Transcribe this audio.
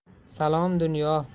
salom dunyo